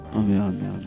Anw'an dan